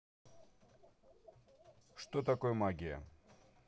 что такое магия